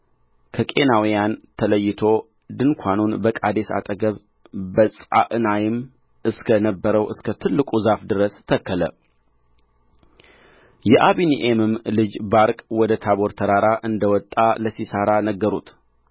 ከቄናውያን ተለይቶ ድንኳኑን በቃዴስ አጠገብ በጻዕናይም እስከ ነበረው እስከ ትልቁ ዛፍ ድረስ ተከለ የአቢኒኤምም ልጅ ባርቅ ወደ ታቦር ተራራ እንደ ወጣ ለሲሣራ ነገሩት